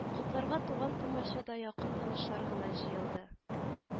Котларга туган-тумача да якын танышлар гына җыелды